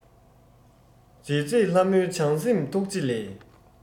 མཛེས མཛེས ལྷ མོའི བྱམས སེམས ཐུགས རྗེ ལས